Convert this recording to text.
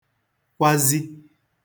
kwazi